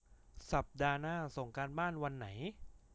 สัปดาห์หน้าส่งการบ้านวันไหน